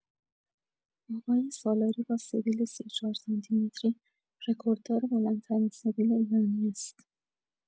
آقای سالاری با سبیل ۳۴ سانتی‌متری، رکورددار بلندترین سبیل ایرانی است.